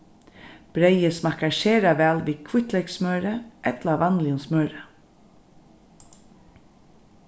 breyðið smakkar sera væl við hvítleykssmøri ella vanligum smøri